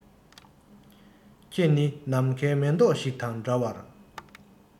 ཁྱེད ནི ནམ མཁའི མེ ཏོག ཞིག དང འདྲ བར